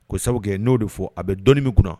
Ko sababu n'o de fɔ a bɛ dɔni min kunna